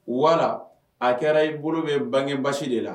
Wala a kɛra i bolo bɛ bange basi de la